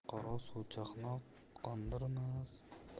qora suv chanqoq qondirmas